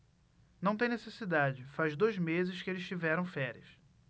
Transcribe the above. não tem necessidade faz dois meses que eles tiveram férias